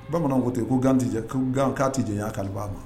Bamanaw ko ten ko gan tɛ janya a karibaga ma!